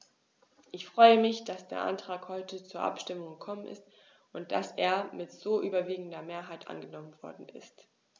Ich freue mich, dass der Antrag heute zur Abstimmung gekommen ist und dass er mit so überwiegender Mehrheit angenommen worden ist.